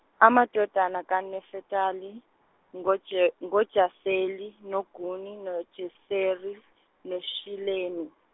amadodana kaNafetali, ngoJe- ngoJaseli, noGuni, noJeseri, noShilemi.